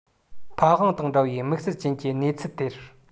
ཕ ཝང དང འདྲ བའི དམིགས བསལ ཅན གྱི གནས ཚུལ དེར